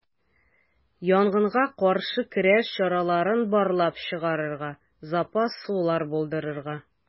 Янгынга каршы көрәш чараларын барлап чыгарга, запас сулар булдырырга.